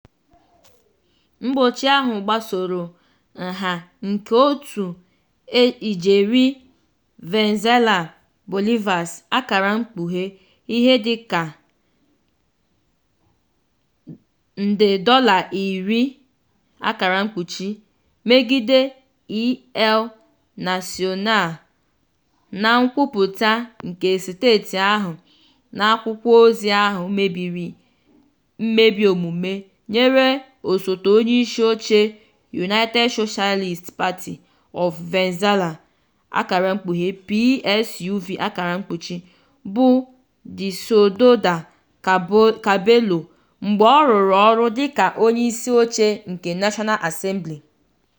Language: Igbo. Mgbochi ahụ gbasoro nha nke otu ijeri Venezuelan Bolivares (ihe dịka $10,000) megide El Nacional, na nkwupụta nke steeti ahụ na akwụkwọozi ahụ mebiri "mmebi omume" nyere osote onyeisi oche United Socialist Party of Venezuela (PSUV) bụ Diosdado Cabello, mgbe ọ rụrụ ọrụ dịka onyeisi oche nke National Assembly.